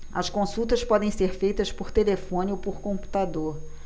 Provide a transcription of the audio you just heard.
as consultas podem ser feitas por telefone ou por computador